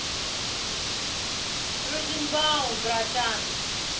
розенбаум братан